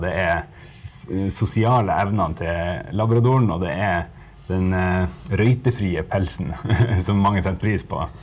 det er sosiale evnene til labradoren og det er den røytefrie pelsen som mange setter pris på.